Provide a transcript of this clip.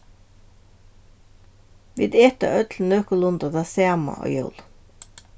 vit eta øll nøkulunda tað sama á jólum